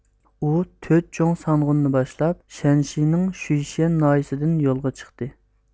ئۇ تۆت چوڭ سانغۇننى باشلاپ شەنشىنىڭ شوشيەن ناھىيىسىدىن يولغا چىقتى